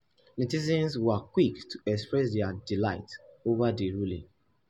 Netizens were quick to express their delight over the ruling.